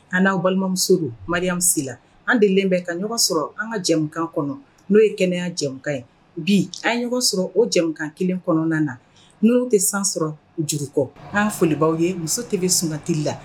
An n'aw balimamuso maria si la an delen bɛ ka ɲɔgɔn sɔrɔ an ka jɛkan kɔnɔ n'o ye kɛnɛya jɛ ye bi an ye ɲɔgɔn sɔrɔ o jɛkan kelen kɔnɔna na n tɛ san sɔrɔ juru kɔ an folibaa ye muso de bɛ sunkati la